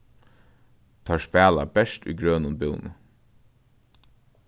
teir spæla bert í grønum búna